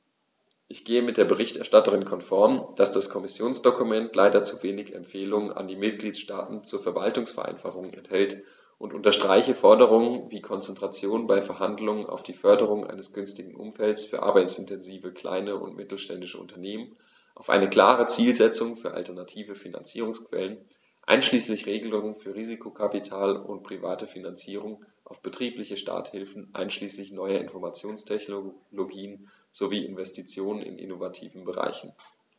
Ich gehe mit der Berichterstatterin konform, dass das Kommissionsdokument leider zu wenig Empfehlungen an die Mitgliedstaaten zur Verwaltungsvereinfachung enthält, und unterstreiche Forderungen wie Konzentration bei Verhandlungen auf die Förderung eines günstigen Umfeldes für arbeitsintensive kleine und mittelständische Unternehmen, auf eine klare Zielsetzung für alternative Finanzierungsquellen einschließlich Regelungen für Risikokapital und private Finanzierung, auf betriebliche Starthilfen einschließlich neuer Informationstechnologien sowie Investitionen in innovativen Bereichen.